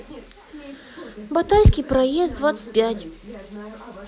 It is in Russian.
батайский проезд двадцать пять